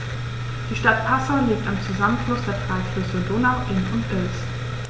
Die Stadt Passau liegt am Zusammenfluss der drei Flüsse Donau, Inn und Ilz.